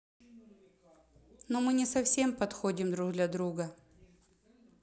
ну мы не совсем подходим друг для друга